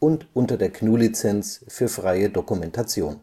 und unter der GNU Lizenz für freie Dokumentation